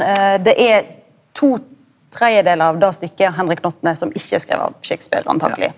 det er to tredjedelar av det stykket Henrik den åttande som ikkje er skrive av Shakespeare antakeleg.